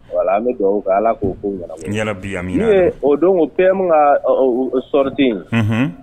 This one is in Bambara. Voila an bɛ duwawu kɛ ala k'o ko ɲanabɔ. Ya rabi amine amine min ye o dongo PM ka sortie in. Unhun